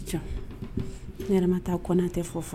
Yɛrɛma taa kɔn tɛ fɔ